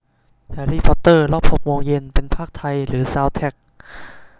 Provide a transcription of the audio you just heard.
แฮรี่พอตเตอร์รอบหกโมงเย็นเป็นพากย์ไทยหรือซาวด์แทรก